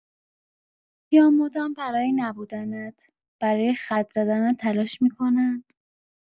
یا مدام برای نبودنت، برای خط زدنت تلاش می‌کنند؟